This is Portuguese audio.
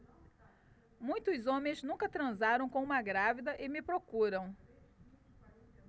muitos homens nunca transaram com uma grávida e me procuram